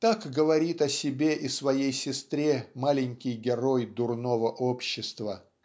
Так говорит о себе и своей сестре маленький герой "Дурного общества".